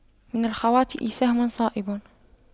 من الخواطئ سهم صائب